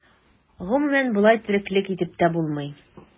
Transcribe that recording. Гомумән, болай тереклек итеп тә булмый.